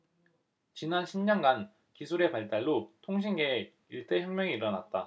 지난 십 년간 기술의 발달로 통신계에 일대 혁명이 일어났다